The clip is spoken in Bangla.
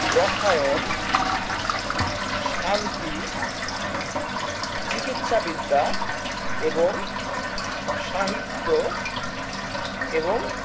রসায়ন শান্তি চিকিৎসা বিদ্যা এবং সাহিত্য এবং